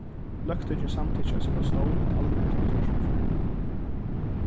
løgtingið samtykki at seta á stovn eitt alment útvarp í føroyum